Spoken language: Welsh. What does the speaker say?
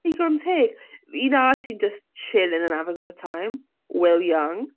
Digon teg. Un arall sy'n just chilling and having a good time Will Young.